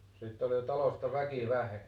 sitten oli jo talosta väki vähennyt